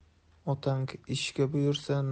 otang ishga buyursa